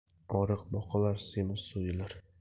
oriq boqilar semiz so'yilar